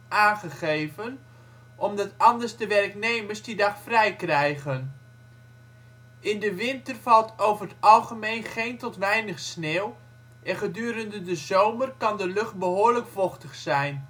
aangegeven omdat anders de werknemers die dag vrij krijgen. [bron?] In de winter valt over het algemeen geen tot weinig sneeuw en gedurende de zomer kan de lucht behoorlijk vochtig zijn